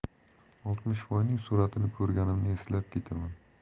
oltmishvoyning suratini ko'rganimni eslab ketaman